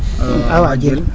a waajel